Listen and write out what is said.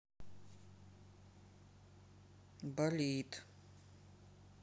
болит